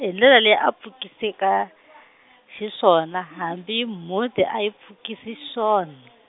hi ndlela leyi a pfukiseke, xiswona, hambi mhunti, a yi pfukisi xiswona.